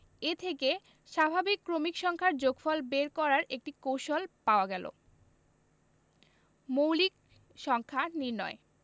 এ থেকে স্বাভাবিক ক্রমিক সংখ্যার যোগফল বের করার একটি কৌশল পাওয়া গেল মৌলিক সংখ্যা নির্ণয়